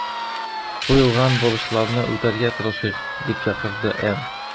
Куелган бурычларны үтәргә тырышыйк”, - дип чакырды Н.